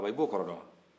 i b'o kɔrɔ dɔn wa